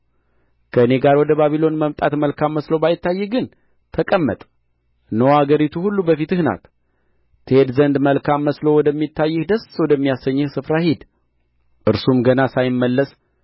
ከእኔ ጋር ወደ ባቢሎን መምጣት መልካም መስሎ ባይታይህ ግን ተቀመጥ እነሆ አገሪቱ ሁሉ በፊትህ ናት ትሄድ ዘንድ መልካም መስሎ ወደሚታይህ ደስ ወደሚያሰኝህም ስፍራ ሂድ እርሱም ገና ሳይመለስ